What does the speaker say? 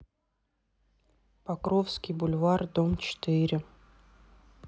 покровский бульвар дом четыре